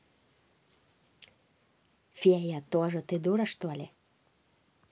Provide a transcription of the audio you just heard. фея тоже ты дура что ли